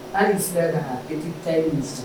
Hali sera ka e tɛ ta ye misi sigi